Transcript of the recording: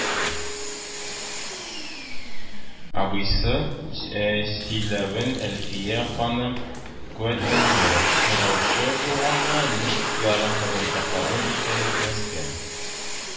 Абыйсы сөйләвен Әлфия ханым куәтләде: «Сораучы булганда ник ярымфабрикатларны җитештермәскә